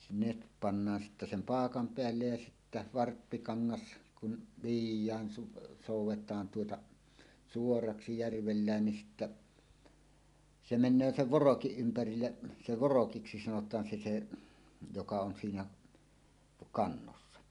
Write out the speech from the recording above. se ne pannaan sitten sen paakan päälle ja sitten varppikangas kun viedään - soudetaan tuota suoraksi järvellä niin sitten se menee sen vorokin ympärille se vorokiksi sanotaan se se joka on siinä kannossa